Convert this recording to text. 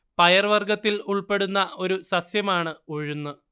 പയർ വർഗ്ഗത്തിൽ ഉൾപ്പെടുന്ന ഒരു സസ്യമാണ് ഉഴുന്ന്